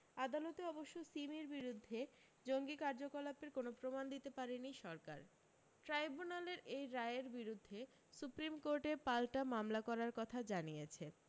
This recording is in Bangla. আদালতে অবশ্য সিমির বিরুদ্ধে জঙ্গি কার্যকলাপের কোনও প্রমাণ দিতে পারেনি সরকার ট্রাইবুনালের এই রায়ের বিরুদ্ধে সুপ্রিম কোর্টে পাল্টা মামলা করার কথা জানিয়েছে